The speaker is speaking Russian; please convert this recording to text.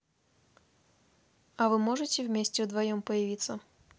а вы можете вместе вдвоем появиться